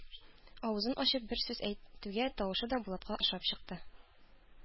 Авызын ачып бер сүз әйтүгә тавышы да Булатка ошап чыкты.